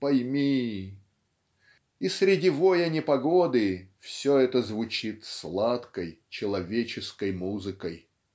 пойми!" И среди воя непогоды все это звучит "сладкой человеческой музыкой".